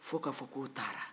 fo k'a fɔ k'o taara